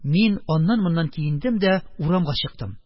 Мин аннан-моннан киендем дә урамга чыктым.